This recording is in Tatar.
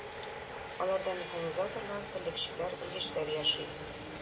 Аларда механизаторлар, терлекчеләр, белгечләр яши.